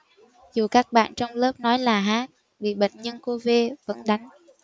dù các bạn trong lớp nói là h bị bệnh nhưng cô v vẫn đánh